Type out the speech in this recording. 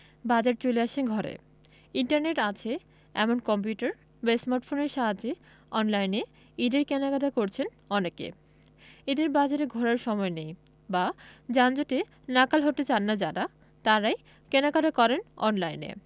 বাজার চলে আসে ঘরে ইন্টারনেট আছে এমন কম্পিউটার বা স্মার্টফোনের সাহায্যে অনলাইনে ঈদের কেনাকাটা করছেন অনেকে ঈদের বাজারে ঘোরার সময় নেই বা যানজটে নাকাল হতে চান না যাঁরা তাঁরাই কেনাকাটা করেন অনলাইনে